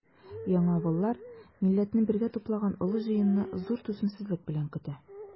Яңавыллар милләтне бергә туплаган олы җыенны зур түземсезлек белән көтә.